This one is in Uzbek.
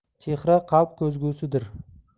chehra qalb ko'zgusidir